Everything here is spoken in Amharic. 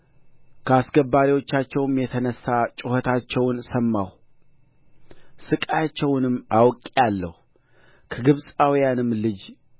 ከአስገባሪዎቻቸውም የተነሣ ጩኸታቸውን ሰማሁ ሥቃያቸውንም አውቄአለሁ